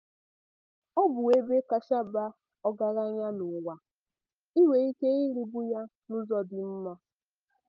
Ọ bụ ebe kacha baa ọgaranya n'ụwa. I nwere ike irigbu ya n'ụzọ dị mma.